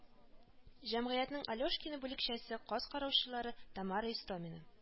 Җәмгыятьнең алешкино бүлекчәсе каз караучылары тамара истомина